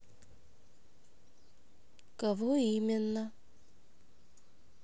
кого именно